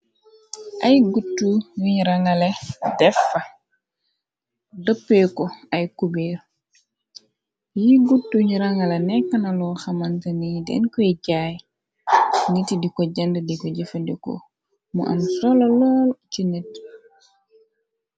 Ay gutu yuñu rangale defa doppeeko ay cubeer yi gutu ñu rangala nekknaloo xamanta ni den koy jaay niti di ko jënd diko jëfe ndeko mu am sola lool ci nit.